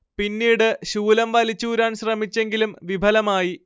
പിന്നീട് ശൂലം വലിച്ചൂരാൻ ശ്രമിച്ചെങ്കിലും വിഫലമായി